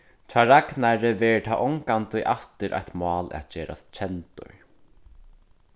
hjá ragnari verður tað ongantíð aftur eitt mál at gerast kendur